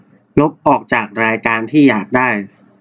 ลบออกจากรายการที่อยากได้